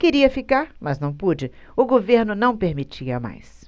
queria ficar mas não pude o governo não permitia mais